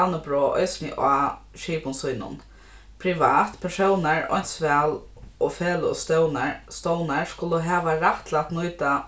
dannebrog eisini á skipum sínum privat persónar eins væl og feløg og stovnar stovnar skulu hava rætt til at nýta